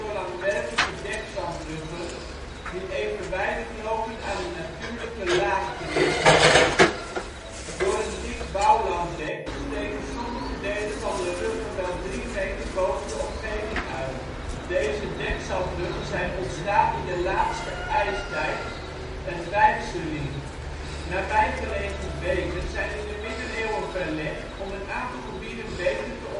langwerpige dekzandruggen die evenwijdig lopen aan de natuurlijke laagten in het gebied. Door een dik bouwlanddek steken sommige delen van de ruggen wel drie meter boven de omgeving uit. Deze dekzandruggen zijn ontstaan in de laatste ijstijd, het Weichselien. Nabij gelegen beken zijn in de middeleeuwen verlegd om een aantal gebieden beter te ontwateren